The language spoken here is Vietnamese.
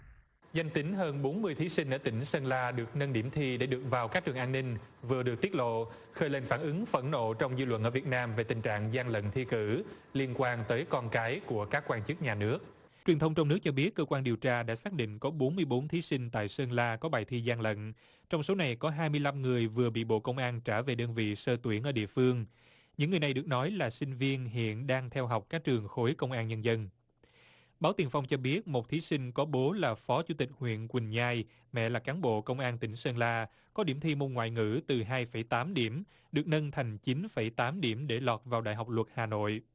danh tính hơn bốn mươi thí sinh ở tỉnh sơn la được nâng điểm thi để được vào các trường an ninh vừa được tiết lộ khơi lên phản ứng phẫn nộ trong dư luận ở việt nam về tình trạng gian lận thi cử liên quan tới con cái của các quan chức nhà nước truyền thông trong nước cho biết cơ quan điều tra đã xác định có bốn mươi bốn thí sinh tại sơn la có bài thi gian lận trong số này có hai mươi lăm người vừa bị bộ công an trả về đơn vị sơ tuyển ở địa phương những người này được nói là sinh viên hiện đang theo học các trường khối công an nhân dân báo tiền phong cho biết một thí sinh có bố là phó chủ tịch huyện quỳnh nhai mẹ là cán bộ công an tỉnh sơn la có điểm thi môn ngoại ngữ từ hai phẩy tám điểm được nâng thành chín phẩy tám điểm để lọt vào đại học luật hà nội